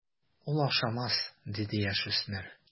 Ул ашамас, - диде яшүсмер.